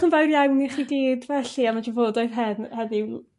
Diolch yn fawr iawn i chi gyd felly am y trafodoeth he- heddiw